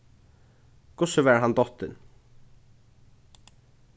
hvussu var hann dottin